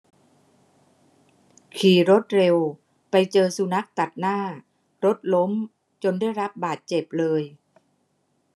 ขี่รถเร็วไปเจอสุนัขตัดหน้ารถล้มจนได้รับบาดเจ็บเลย